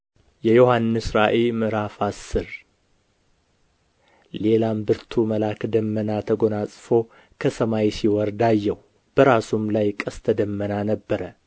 የዮሐንስ ራእይ ምዕራፍ አስር ሌላም ብርቱ መልአክ ደመና ተጐናጽፎ ከሰማይ ሲወርድ አየሁ በራሱም ላይ ቀስተ ደመና ነበረ